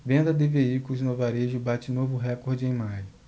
venda de veículos no varejo bate novo recorde em maio